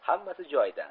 hammasi joyida